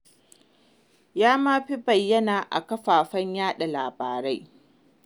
'Ya ma fi bayyana a kafar yaɗa labarai.